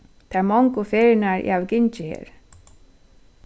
tær mongu ferðirnar eg havi gingið her